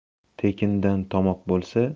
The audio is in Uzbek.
tekindan tomoq bo'lsa